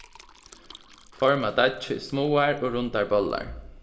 forma deiggið í smáar og rundar bollar